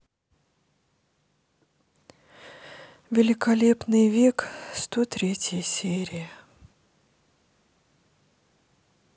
великолепный век сто третья серия